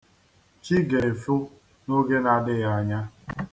Chi ga-efo n'oge na-adịghị anya.